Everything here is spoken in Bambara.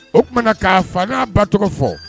O tumaumana na k'a fa n'a ba tɔgɔ fɔ